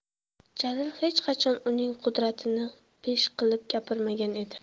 jalil hech qachon uning qudratini pesh qilib gapirmagan edi